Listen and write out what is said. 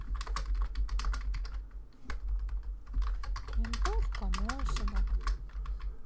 винтовка мосина